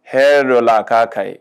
H dɔ la a k'a ka ɲi